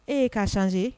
E ye karisasanse